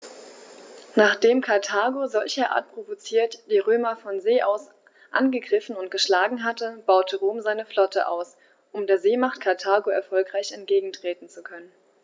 Nachdem Karthago, solcherart provoziert, die Römer von See aus angegriffen und geschlagen hatte, baute Rom seine Flotte aus, um der Seemacht Karthago erfolgreich entgegentreten zu können.